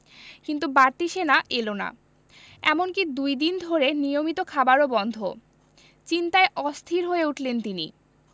কিন্তু বাড়তি সেনা এলো না এমনকি দুই দিন ধরে নিয়মিত খাবারও বন্ধ চিন্তায় অস্থির হয়ে উঠলেন তিনি